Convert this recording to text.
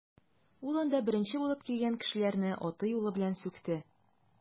Ул анда беренче булып килгән кешеләрне аты-юлы белән сүкте.